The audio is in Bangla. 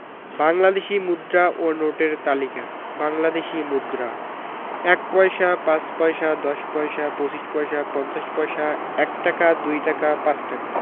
বাংলাদেশি মুদ্রা ও নোটের তালিকাঃ বাংলাদেশি মুদ্রাঃ ১ পয়সা ৫ পয়সা ১০ পয়সা ২৫ পয়সা ৫০ পয়সা ১ টাকা ২ টাকা ৫ টাকা